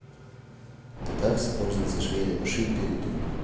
как пользоваться швейной машинкой ютуб